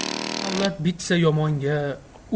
davlat bitsa yomonga